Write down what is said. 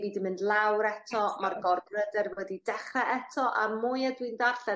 fi di mynd lawr eto ma' gorbryder wedi dechre eto a'r mwya dwi'n darllen